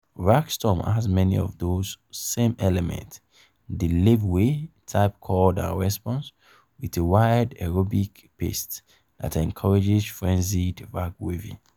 Rag Storm has many of those same elements — the lavway-type call-and-response, with a wild aerobic pace that encourages frenzied rag-waving.